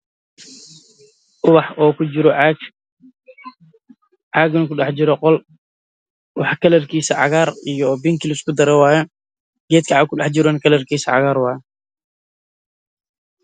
Ubax oo kujiro caag caagana ku dhex jiro qol